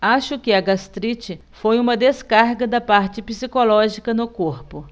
acho que a gastrite foi uma descarga da parte psicológica no corpo